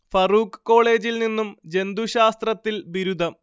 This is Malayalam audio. ഫറൂക്ക് കോളേജിൽ നിന്നും ജന്തുശാസ്ത്രത്തിൽ ബിരുദം